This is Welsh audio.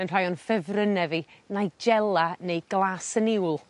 yn rhai o'n ffefrynne fi nigella neu glas y niwl.